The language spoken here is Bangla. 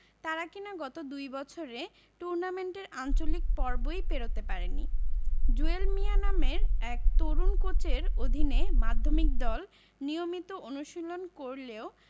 তারা কিনা গত দুই বছরে টুর্নামেন্টের আঞ্চলিক পর্বই পেরোতে পারেনি জুয়েল মিয়া নামের এক তরুণ কোচের অধীনে মাধ্যমিক দল নিয়মিত অনুশীলন করলেও